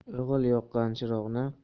o'g'il yoqqan chiroqni